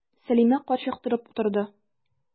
Сәлимә карчык торып утырды.